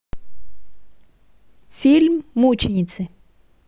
фильм мученицы